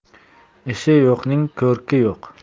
ishi yo'qning ko'rki yo'q